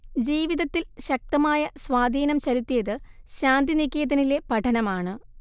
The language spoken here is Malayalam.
ജീവിതത്തിൽ ശക്തമായ സ്വാധീനം ചെലുത്തിയത് ശാന്തിനികേതനിലെ പഠനമാണ്